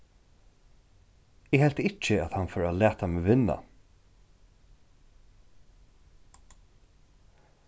eg helt ikki at hann fór at lata meg vinna